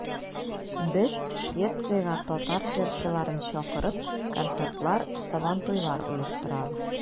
Без, Швециягә татар җырчыларын чакырып, концертлар, Сабантуйлар оештырабыз.